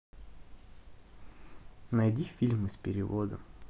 найди фильмы с переводом